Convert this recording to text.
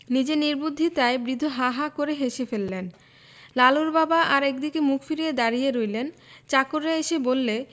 নিজের নির্বুদ্ধিতায় বৃদ্ধ হাঃ হাঃ করে হেসে ফেললেন লালুর বাবা আর একদিকে মুখ ফিরিয়ে দাঁড়িয়ে রইলেন চাকররা এসে বললে